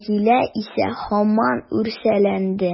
Рәзилә исә һаман үрсәләнде.